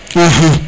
axa